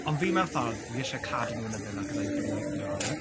Ond fi mewn ffordd fi eisiau cadw nhw yn y Villa because I do like the drama.